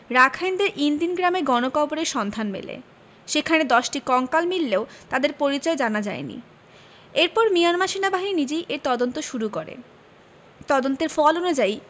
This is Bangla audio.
রাখাইনদের ইন দিন গ্রামে গণকবরের সন্ধান মেলে সেখানে ১০টি কঙ্কাল মিললেও তাদের পরিচয় জানা যায়নি এরপর মিয়ানমার সেনাবাহিনী নিজেই এর তদন্ত শুরু করে তদন্তের ফল অনুযায়ী